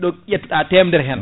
ɗo ƴettuɗa temedere hen